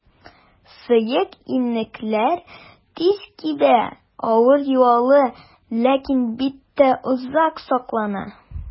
Сыек иннекләр тиз кибә, авыр юыла, ләкин биттә озак саклана.